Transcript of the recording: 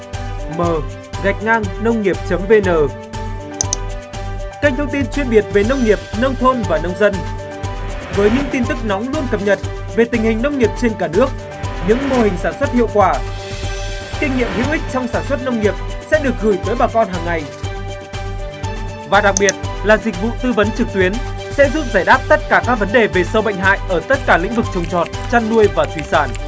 mờ gạch ngang nông nghiệp chấm vê nờ kênh thông tin chuyên biệt về nông nghiệp nông thôn và nông dân với những tin tức nóng luôn cập nhật về tình hình nông nghiệp trên cả nước những mô hình sản xuất hiệu quả kinh nghiệm hữu ích trong sản xuất nông nghiệp sẽ được gửi tới bà con hàng ngày và đặc biệt là dịch vụ tư vấn trực tuyến sẽ giúp giải đáp tất cả các vấn đề về sâu bệnh hại ở tất cả lĩnh vực trồng trọt chăn nuôi và thủy sản